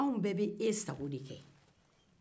aanw bɛɛ be e sago de kɛ